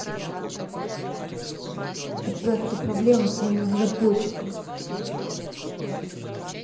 отправь эту проблему своим разработчикам